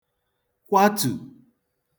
kwatù